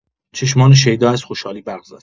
چشمان شیدا از خوشحالی برق زد.